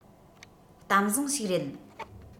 གཏམ བཟང ཞིག རེད